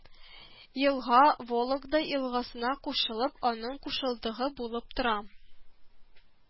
Елга Вологда елгасына кушылып, аның кушылдыгы булып тора